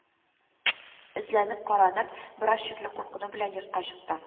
Эзләнеп, каранып, бераз шикле куркыну белән йортка чыкты